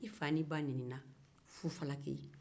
i fa ni i ba nenni na fufalaki